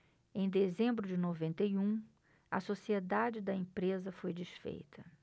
em dezembro de noventa e um a sociedade da empresa foi desfeita